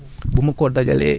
wala ma am sama benn